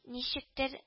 Ничектер